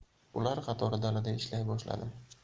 ular qatori dalada ishlay boshladim